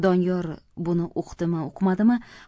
doniyor buni uqdimi uqmadimi